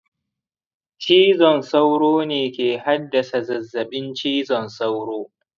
cizon sauro ne ke haddasa zazzabin cizon sauro.